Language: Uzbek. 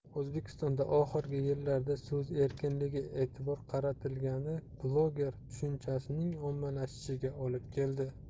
o'zbekistonda oxirgi yillarda so'z erkinligiga e'tibor qaratilgani 'bloger' tushunchasining ommalashishiga olib keldi